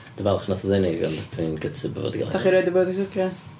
Dwi'n falch wnaeth o ddenig ond dwi'n gutted bod o... Dach chi erioed 'di bod i syrcas?